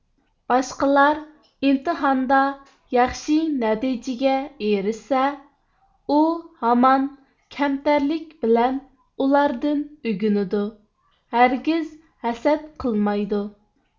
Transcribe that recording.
باشقىلار ئىمتىھاندا ياخشى نەتىجىگە ئېرىشسە ئۇھامان كەمتەرلىك بىلەن ئۇلاردىن ئۆگىنىدۇ ھەرگىز ھەسەت قىلمايدۇ